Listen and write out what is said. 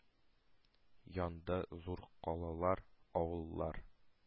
Янды зур калалар, авыллар.